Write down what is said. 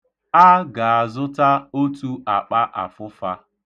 A ga-azụta otu akpa afụfa.